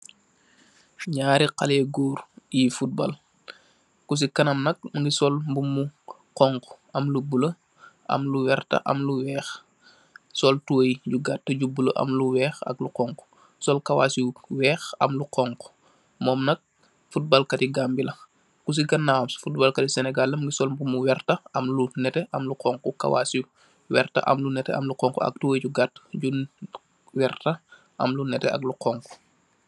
Ñaari xalèh gór yuy futbal ku ci kanam nak mugii sol mbubu mu xonxu am lu bula am lu werta am lu wèèx sol tubay ñu gatta ñu bula am lu wèèx ak lu xonxu, sol kawas yu wèèx am lu xonxu. Mom nak futbal Kat ti Gambi la, ku ci ganaw wam futbal Kat ti Senegal la, mugii sol mbubu mu werta am lu netteh am lu xonxu sol kawas yu werta am lu netteh am lu xonxu ak tubay ñu gatta ñu werta am lu netteh ak lu xonxu.